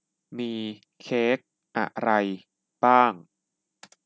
มีเค้กอะไรบ้าง